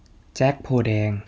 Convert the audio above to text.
เจ็ดโพธิ์แดง